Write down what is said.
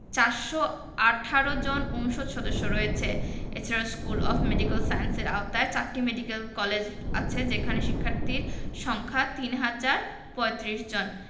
৪১৮ জন অনুষদ সদস্য রয়েছে এছাড়া স্কুল অব মেডিক্যাল সায়েন্সের আওতায় চারটি মেডিক্যাল কলেজ আছে যেখানে শিক্ষার্থীর সংখ্যা ৩ হাজার ৩৫ জন